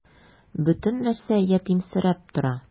Бөтен нәрсә ятимсерәп тора.